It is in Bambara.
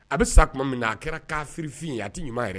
A be sa tuma min na a kɛra kaafirifin ye a tI ɲuman yɛrɛ